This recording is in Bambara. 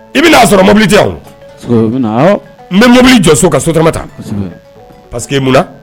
I bɛna na a sɔrɔ mobili tɛ yan, n bɛ mobili jɔ so ka sotarama ta parce que mun na